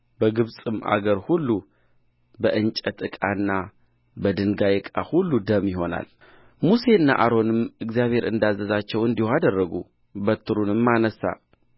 በግብፅም አገር ሁሉ በእንጨት ዕቃና በድንጋይ ዕቃ ሁሉ ደም ይሆናል ሙሴና አሮንም እግዚአብሔር እንዳዘዛቸው እንዲሁ አደረጉ በትሩንም አነሣ